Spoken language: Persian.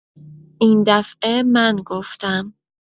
ایندفعه من گفتم